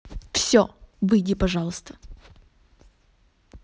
все выйди пожалуйста